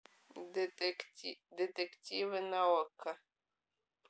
детективы на окко